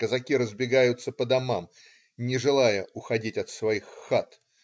казаки разбегаются по домам, не желая уходить от своих хат.